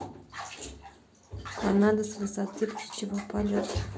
канада с высоты птичьего полета